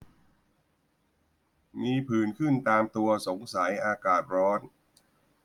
มีผื่นขึ้นตามตัวสงสัยอากาศร้อน